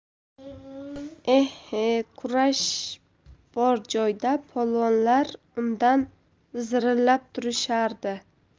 eh he kurash bor joyda polvonlar undan zirillab turishardi